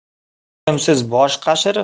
ilmsiz bosh qashir